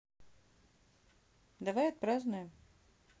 давай отпразднуем